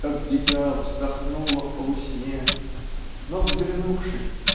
Как дитя вздохнула в полусне Но взглянувши